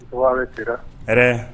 O siran hɛrɛ